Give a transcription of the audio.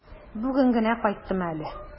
Бүген генә кайттым әле.